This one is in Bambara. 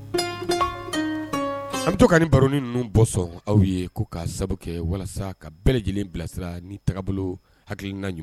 An bi to ka ni baro ninnu bɔ sɔn aw ye ko ka sababu kɛ walasa ka bɛɛ lajɛlen bilasira ni taabolo hakilina